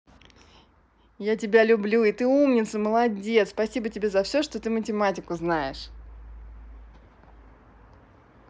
я тебя люблю и ты умница молодец спасибо тебе за все что ты математику знаешь